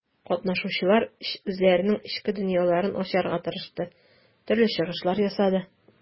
Катнашучылар үзләренең эчке дөньяларын ачарга тырышты, төрле чыгышлар ясады.